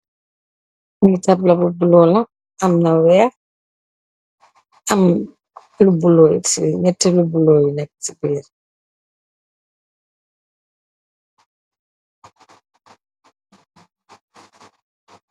Li tabla bu bula la, am na wèèx ,am ñetti lu bula lu nekka ci biir.